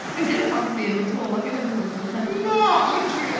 I don't fancy him at all. I think I just wanted attention.... Na! Literally.